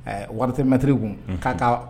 Ɛɛ wari te maitre kun unhun ka ta